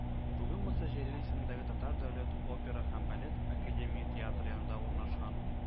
Бүген Муса Җәлил исемендәге Татар дәүләт опера һәм балет академия театры янында урнашкан